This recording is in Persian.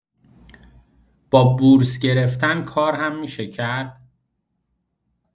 با بورس گرفتن کار هم می‌شه کرد؟